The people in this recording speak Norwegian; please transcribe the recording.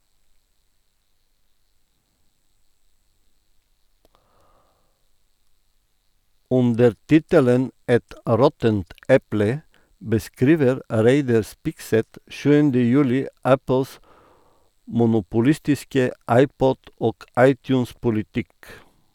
Under tittelen «Et råttent eple» beskriver Reidar Spigseth 7. juli Apples monopolistiske iPod- og iTunes-politikk.